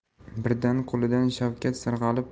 birdan qo'lidan shavkat sirg'alib